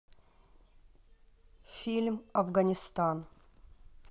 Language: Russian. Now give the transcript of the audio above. фильм афганистан